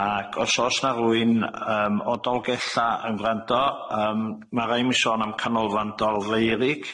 Ag os o's na rwun yym o Dolgella yn gwrando yym ma' raid i mi sôn am canolfan Dolfeurig.